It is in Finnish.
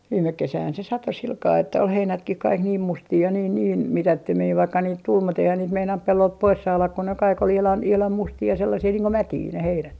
viime kesähän se satoi sillä kalella että oli heinätkin kaikki niin mustia ja niin niin mitättömiä vaikka niitä tuli mutta eihän niitä meinannut pellolta pois saada kun ne kaikki oli ihan ihan mustia ja sellaisia niin kuin mätiä ne heinät